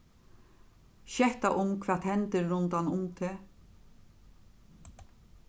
sketta um hvat hendir rundan um teg